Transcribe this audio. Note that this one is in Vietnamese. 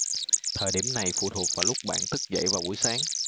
thời điểm này phụ thuộc vào lúc bạn thức dậy vào buổi sáng